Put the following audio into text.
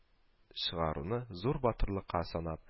Чыгаруны зур батырлыкка санап